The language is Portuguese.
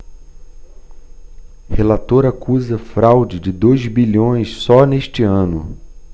relator acusa fraude de dois bilhões só neste ano